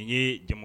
Nin ye jamu